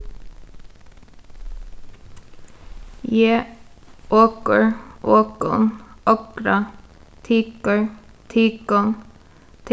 eg okur okum okra tykur tykum